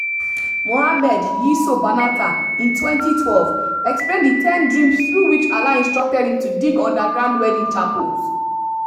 Mohammed Yiso Banatah in 2012 explains the ten dreams through which Allah instructed him to dig underground wedding chapels.